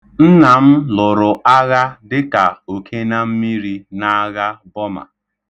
Nna m lụrụ agha dịka okenammiri n'agha Bọma.